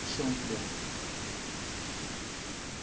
dedim ishonch bilan